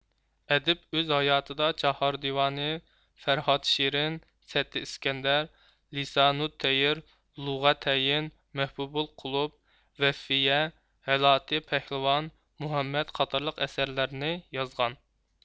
ئەدىب ئۆز ھاياتىدا چاھار دىۋانى فەرھاد شېرىن سەددى ئىسكەندەر لىسانۇتتەير لۇغەتەين مەھبۇبۇل قۇلۇپ ۋەففىيە ھالەتى پەھلىۋان مۇھەممەد قاتارلىق ئەسەرلەرنى يازغان